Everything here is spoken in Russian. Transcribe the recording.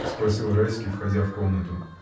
— спросил Райский, входя в комнату.